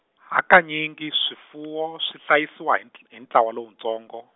hakanyingi swifuwo swi hlayisiwa hi ntla- hi ntlawa lowutsongo.